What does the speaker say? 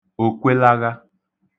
̣òkwelagha